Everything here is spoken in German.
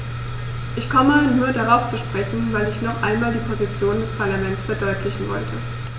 Ich komme nur darauf zu sprechen, weil ich noch einmal die Position des Parlaments verdeutlichen wollte.